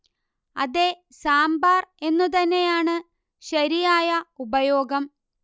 അതെ സാമ്പാർ എന്നു തന്നെയാണ് ശരിയായ ഉപയോഗം